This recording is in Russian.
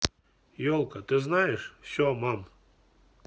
елка ты знаешь все мам